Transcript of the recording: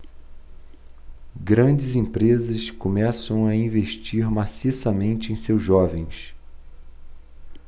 grandes empresas começam a investir maciçamente em seus jovens